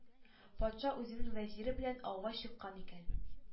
Патша үзенең вәзире белән ауга чыккан икән.